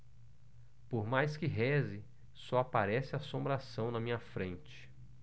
por mais que reze só aparece assombração na minha frente